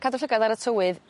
cadw llygad ar y tywydd